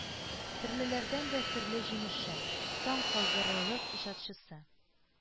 Серлеләрдән дә серле җимеше, таң калдырырлык иҗатчысы,